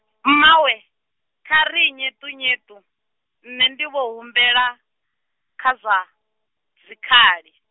mmawe, kha ri nyeṱunyeṱu, nṋe ndi vho humbela, kha zwa, dzikhali.